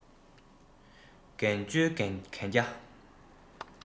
འགན བཅོལ གན རྒྱ